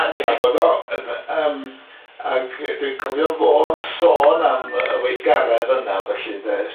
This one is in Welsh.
Ti'n nabod o yy yym ag dwi'n cofio fo'n sôn am yy y weithgaredd yna felly ynde wst ti?